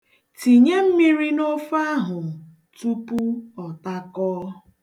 Tinye mmiri n'ofe ahụ tupu ọ takọọ.